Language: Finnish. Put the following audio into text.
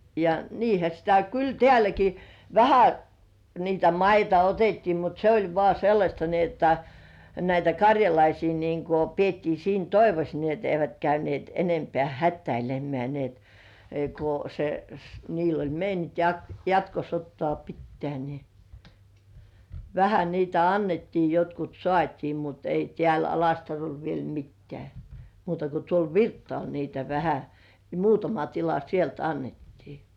ja niinhän sitä kyllä täälläkin vähän niitä maita otettiin mutta se oli vain sellaista niin jotta näitä karjalaisia niin kuin pidettiin siinä toivossa niin että eivät käyneet enempää hätäilemään niin että kun se - niillä oli meininki jatkosotaa pitää niin vähän niitä annettiin jotkut saatiin mutta ei täällä Alastarolla vielä mitään muuta kuin tuolla Virttaalla niitä vähän ne muutama tila sieltä annettiin